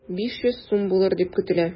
500 сум булыр дип көтелә.